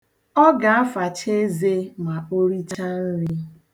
Ọ ga-afacha eze ma o richaa nri.